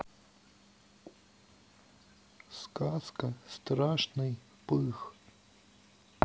сказка страшный пых